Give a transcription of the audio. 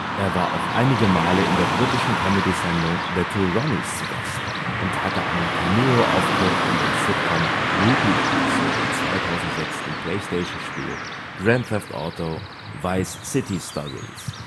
Er war auch einige Male in der britischen Comedy-Sendung The Two Ronnies zu Gast und hatte einen Cameo-Auftritt in der Sitcom Whoopi sowie 2006 im PSP-Spiel Grand Theft Auto: Vice City Stories